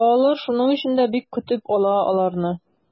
Балалар шуның өчен дә бик көтеп ала аларны.